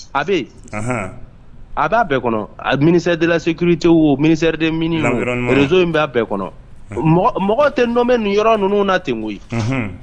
A bɛ a b'a bɛɛ kɔnɔ a minidla se kite wo minired minizso in b'a bɛɛ kɔnɔ mɔgɔ tɛ n nɔ bɛ ninnu yɔrɔ ninnu na ten ye